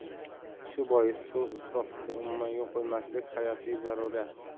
shu bois suv isrofiga umuman yo'l qo'ymaslik hayotiy zarurat